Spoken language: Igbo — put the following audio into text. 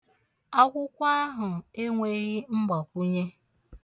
Akwụkwọ ahụ enweghị mgbakwụnye.